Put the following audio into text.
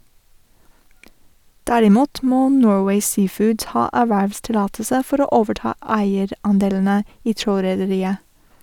Derimot må Norway Seafoods ha ervervstillatelse for å overta eier-andelene i trålrederiet.